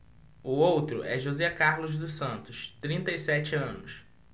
o outro é josé carlos dos santos trinta e sete anos